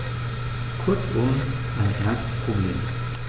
Kurzum, ein ernstes Problem.